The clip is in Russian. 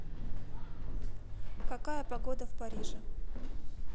какая погода в париже